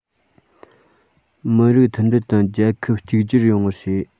མི རིགས མཐུན སྒྲིལ དང རྒྱལ ཁབ གཅིག གྱུར ཡོང བར བྱེད